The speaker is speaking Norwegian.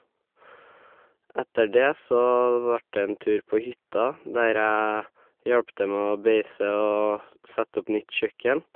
Etter det så vart det en tur på hytta, der jeg hjalp til med å beise og s sette opp nytt kjøkken.